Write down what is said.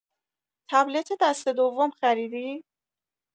تبلت دسته دوم خریدی؟